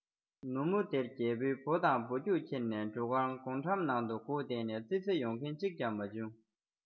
ནུབ མོ དེར རྒྱལ པོས སྦོ དང སྦོ རྒྱུགས ཁྱེར ནས འབྲུ ཁང སྒོ འགྲམ དུ སྒུག བསྡད ཀྱང ཙི ཙི ཡོང མཁན གཅིག ཀྱང མ བྱུང